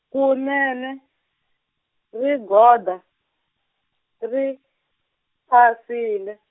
kunene, rigoda, ri, phasile.